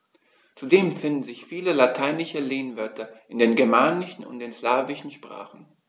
Zudem finden sich viele lateinische Lehnwörter in den germanischen und den slawischen Sprachen.